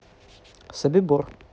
собибор